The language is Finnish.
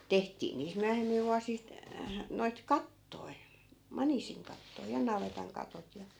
tehtiin niistä myöhemmillä vuosista noita kattoja maniisinkattoja ja navetan katot ja